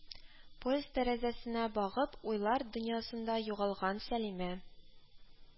Поезд тәрәзәсенә багып, уйлар дөньясында югалган Сәлимә